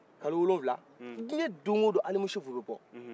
kalo wolowula diɛ don wo don alimusufu bɛ bɔ